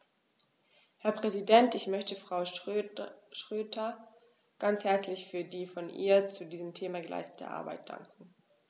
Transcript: Herr Präsident, ich möchte Frau Schroedter ganz herzlich für die von ihr zu diesem Thema geleistete Arbeit danken.